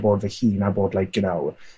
bod fy hun a bod like you know